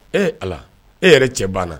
Ee ala e yɛrɛ cɛ banna